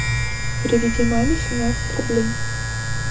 переведи маме семнадцать рублей